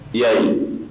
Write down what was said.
I y'a ɲi